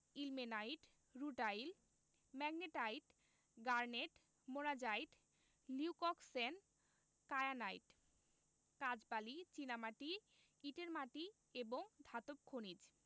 ilmenite rutile magnetite garnet monazite leucoxene kyanite কাঁচবালি চীনামাটি ইটের মাটি এবং ধাতব খনিজ